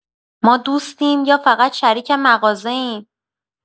ما دوستیم یا فقط شریک مغازه‌ایم؟